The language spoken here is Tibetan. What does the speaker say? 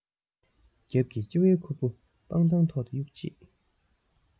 རྒྱབ གྱི ལྕི བའི ཁུར པོ སྤང ཐང ཐོག ཏུ གཡུགས རྗེས